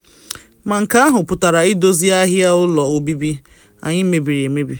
Ma nke ahụ pụtara idozi ahịa ụlọ obibi anyị mebiri emebi.